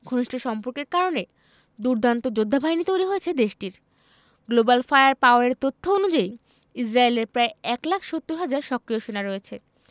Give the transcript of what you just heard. ঘনিষ্ঠ সম্পর্কের কারণে দুর্দান্ত যোদ্ধাবাহিনী তৈরি হয়েছে দেশটির গ্লোবাল ফায়ার পাওয়ারের তথ্য অনুযায়ী ইসরায়েলের প্রায় ১ লাখ ৭০ হাজার সক্রিয় সেনা রয়েছে